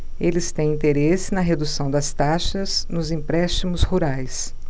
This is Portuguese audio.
eles têm interesse na redução das taxas nos empréstimos rurais